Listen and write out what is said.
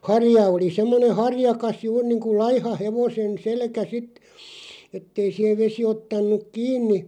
harja oli semmoinen harjakas juuri niin kuin laiha hevosen selkä sitten että ei siihen vesi ottanut kiinni